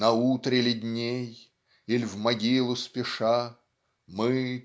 На утре ли дней, иль в могилу спеша, Мы